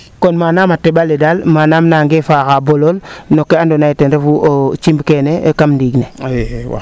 kon manaam a teɓale daal manaam naange faaxa bo lool no ke ando naye ten refu cim keene kam ndiing ne